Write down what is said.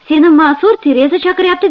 seni ma soeur terez chaqiryapti